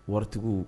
Waritigiw